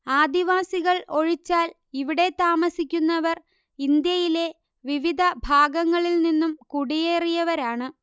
ആദിവാസികൾ ഒഴിച്ചാൽ ഇവിടെ താമസിക്കുന്നവർ ഇന്ത്യയിലെ വിവിധ ഭാഗങ്ങളില് നിന്നും കുടിയേറിയവരാണ്